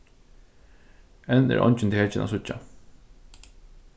enn eru eingin tekin at síggja